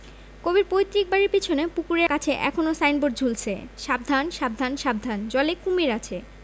কবির পৈতৃক বাড়ির পেছনে পুকুরের কাছে এখনো সাইনবোর্ড ঝুলছে সাবধান সাবধান সাবধান জলে কুমীর আছে